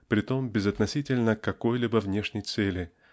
притом безотносительно к какой-либо внешней цели